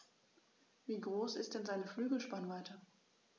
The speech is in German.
Wie groß ist denn seine Flügelspannweite?